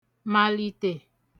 màlìtè